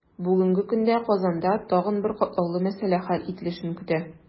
Бүгенге көндә Казанда тагын бер катлаулы мәсьәлә хәл ителешен көтә.